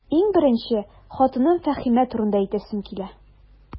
Иң беренче, хатыным Фәһимә турында әйтәсем килә.